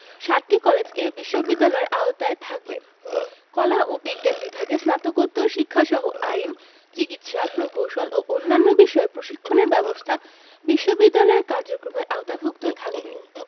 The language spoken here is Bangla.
সাতটি কলেজ এ বিশ্ববিদ্যালয়ের আওতায় থাকবে কলা ও বিজ্ঞান বিভাগে স্নাতকোত্তর শিক্ষাসহ আইন চিকিৎসা প্রকৌশল ও অন্যান্য বিষয়ে প্রশিক্ষণের ব্যবস্থা বিশ্ববিদ্যালয়ের কার্যক্রমের আওতাভুক্ত থাকবে